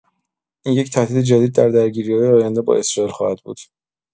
این یک تهدید جدید در درگیری‌های آینده با اسرائیل خواهد بود.